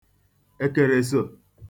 èkèrèsò